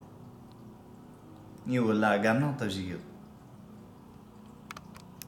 ངའི བོད ལྭ སྒམ ནང དུ བཞག ཡོད